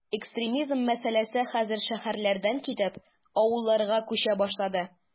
Экстремизм мәсьәләсе хәзер шәһәрләрдән китеп, авылларга “күчә” башлады.